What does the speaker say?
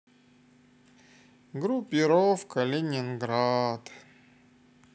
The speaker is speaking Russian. группировка ленинград